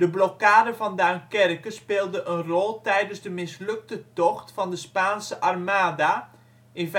blokkade van Duinkerke speelde een rol tijdens de mislukte tocht van de Spaanse Armada in